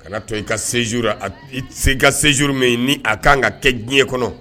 Kana na to i ka szjour i ka sejour min ni a ka kan ka kɛ diɲɛ kɔnɔ